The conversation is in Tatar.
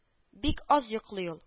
Бик аз йоклый ул